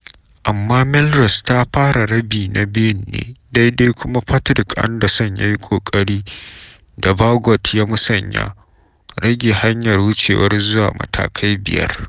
Amma Melrose ta fara rabi na biyun ne daidai kuma Patrick Anderson ya yi kokari, da Baggot ya musanya, rage hanyar wucewar zuwa matakai biyar.